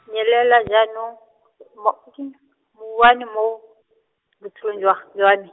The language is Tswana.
nyelela jaanong, mouwane mo, botshelong jwa g- jwa me.